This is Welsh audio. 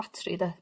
Batri 'de?